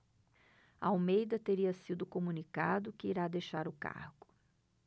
almeida teria sido comunicado que irá deixar o cargo